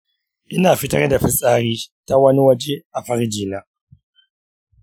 ina fitar da fitsari ta wani waje a farji na.